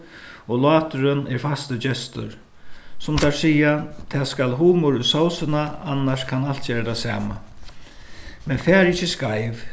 og láturin er fastur gestur sum teir siga tað skal humor í sósina annars kann alt gera tað sama men farið ikki skeiv